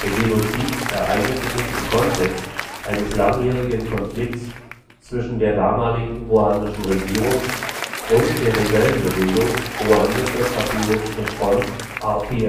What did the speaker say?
Genozid ereignete sich im Kontext eines langjährigen Konflikts zwischen der damaligen ruandischen Regierung und der Rebellenbewegung Ruandische Patriotische Front (RPF